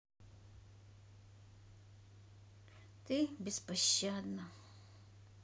ты беспощадна